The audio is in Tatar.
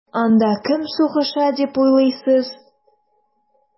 Анда кем сугыша дип уйлыйсыз?